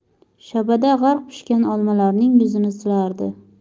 shabada g'arq pishgan olmalarning yuzini silardi